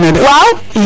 waw